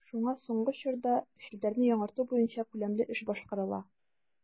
Шуңа соңгы чорда челтәрне яңарту буенча күләмле эш башкарыла.